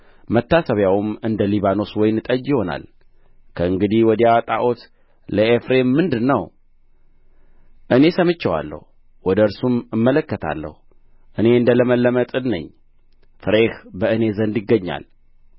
መታሰቢያውም እንደ ሊባኖስ ወይን ጠጅ ይሆናል ከእንግዲህ ወዲያ ጣዖት ለኤፍሬም ምንድር ነው እኔ ሰምቼዋለሁ ወደ እርሱም እመለከታለሁ እኔ እንደ ለመለመ ጥድ ነኝ ፍሬህ በእኔ ዘንድ ይገኛል